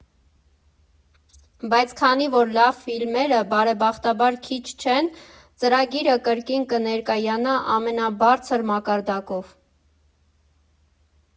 Բայց քանի որ լավ ֆիլմերը բարեբախտաբար քիչ չեն, ծրագիրը կրկին կներկայանա ամենաբարձր մակարդակով։